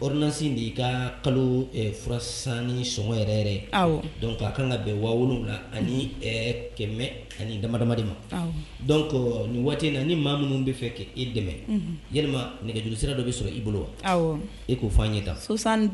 orsin de y' ka kalo furasan ni sɔngɔ yɛrɛ yɛrɛ dɔn k kaa kan ka bɛn wa wolowula ani kɛmɛ ani damadama de ma dɔn nin waati na ni maa minnu bɛ fɛ kɛ e dɛmɛ yɛlɛma nɛgɛj sira dɔ bɛ sɔrɔ i bolo wa e k koo fɔ' n ɲɛ taa sosan